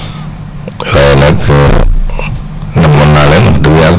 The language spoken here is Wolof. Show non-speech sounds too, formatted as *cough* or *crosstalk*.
waaye nag *noise* nammoon naa leen wax dëgg yàlla